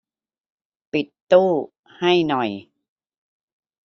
ปิดตู้ให้หน่อย